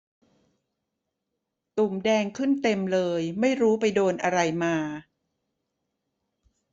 ตุ่มแดงขึ้นเต็มเลยไม่รู้ไปโดนอะไรมา